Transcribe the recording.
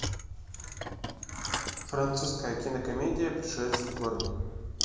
французская кинокомедия пришельцы в городе